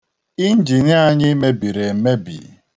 Injin anyị mebiri emebi.